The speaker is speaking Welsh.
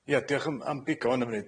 Ie diolch am- am bigo hwna fyny.